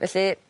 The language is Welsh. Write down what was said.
Felly